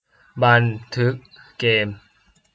บันทึกเกม